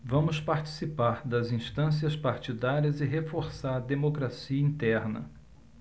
vamos participar das instâncias partidárias e reforçar a democracia interna